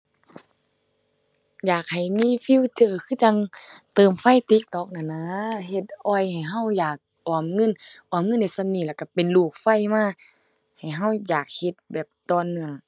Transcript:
อยากให้มีฟีเจอร์คือจั่ง เติมไฟ TikTok นั้นนะ เฮ็ดอ่อยให้เราอยากออมเงิน ออมเงินได้ส่ำนี้แล้วเราเป็นรูปไฟมา ให้เราอยากเฮ็ดแบบต่อเนื่อง